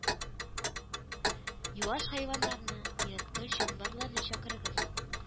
— юаш хайваннарны, ерткыч җанварларны чакырыгыз: